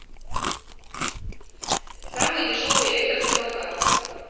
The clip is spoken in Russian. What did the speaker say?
самый дешевый электросамокат